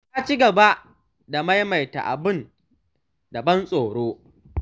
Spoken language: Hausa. Ta ci gaba da maimaita ‘Abin da ban tsoro’.